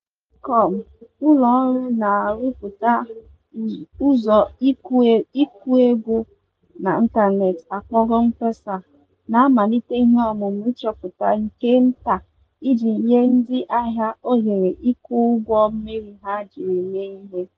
Safaricom, ụlọ ọrụ na-arụpụta ụzọ ịkwụ ụgwọ n'ịtanetị akpọrọ M-Pesa, na-amalite ihe ọmụmụ nchọpụta nke nta iji nye ndị ahịa ohere ịkwụ ụgwọ mmiri ha jiri mee ihe.